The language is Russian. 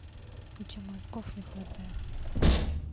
у тебя мозгов не хватит